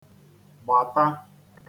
gbàta